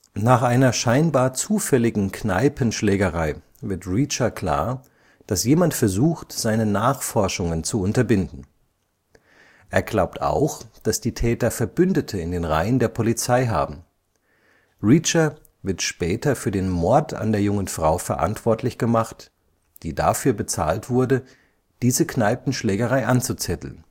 Nach einer scheinbar zufälligen Kneipenschlägerei wird Reacher klar, dass jemand versucht seine Nachforschungen zu unterbinden. Er glaubt auch, dass die Täter Verbündete in den Reihen der Polizei haben. Reacher wird später für den Mord an der jungen Frau verantwortlich gemacht, die dafür bezahlt wurde, diese Kneipenschlägerei anzuzetteln